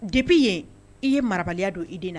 De b'i yen i ye marabaliya don i di na